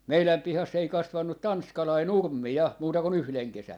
meidän pihassa ei kasvanut tanskalainen nurmi ja muuta kuin yhden kesän